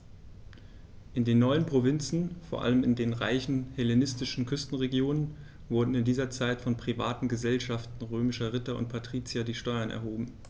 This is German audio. In den neuen Provinzen, vor allem in den reichen hellenistischen Küstenregionen, wurden in dieser Zeit von privaten „Gesellschaften“ römischer Ritter und Patrizier die Steuern erhoben.